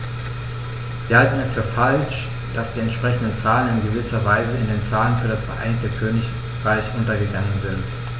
Wir halten es für falsch, dass die entsprechenden Zahlen in gewisser Weise in den Zahlen für das Vereinigte Königreich untergegangen sind.